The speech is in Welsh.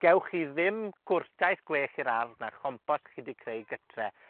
Gewch chi ddim gwrtaith gwell i'r ardd na chompost chi 'di creu gytre.